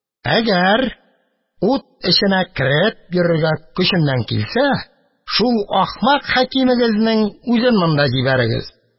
Әгәр ут эченә кереп йөрергә көченнән килсә, шул ахмак хәкимегезнең үзен монда җибәрегез.